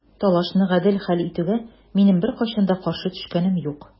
Талашны гадел хәл итүгә минем беркайчан да каршы төшкәнем юк.